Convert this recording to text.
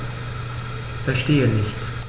Verstehe nicht.